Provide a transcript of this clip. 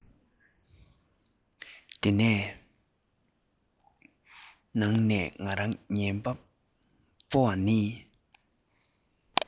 དེའི ནང ནས ང རང ཉན པ སྤྲོ བ ནི